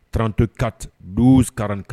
Trantɔ ka dokararankan